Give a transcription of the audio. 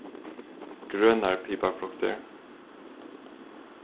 grønar piparfruktir